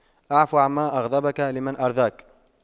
اعف عما أغضبك لما أرضاك